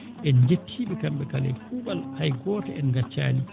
en jettii ɓe kamɓe kala e kuuɓal hay gooto en ngaccaani